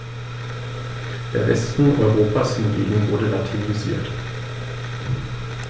Der Westen Europas hingegen wurde latinisiert.